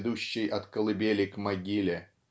ведущей от колыбели к могиле.